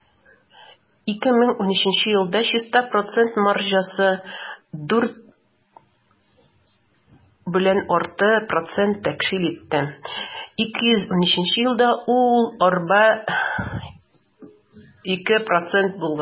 2013 елда чиста процент маржасы 4,5 % тәшкил итте, 2012 елда ул 4,2 % булган.